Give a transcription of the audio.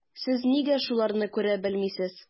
Сез нигә шуларны күрә белмисез?